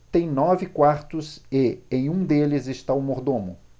tem nove quartos e em um deles está o mordomo